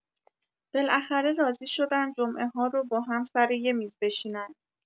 بالاخره راضی شدن جمعه‌ها رو با هم‌سر یه میز بشینن.